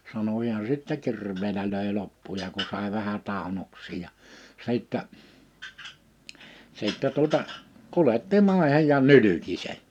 sanoi hän sitten kirveellä löi loppuja kun sai vähän tainnoksiin ja sitten sitten tuota kuljetti maihin ja nylki sen